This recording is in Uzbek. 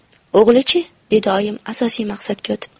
o'g'li chi dedi oyim asosiy maqsadga o'tib